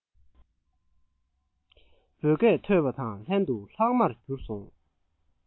འབོད སྐད ཐོས པ དང ལྷན དུ ལྷག མར གྱུར སོང